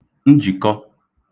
njìkọ